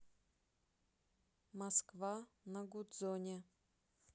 москва на гудзоне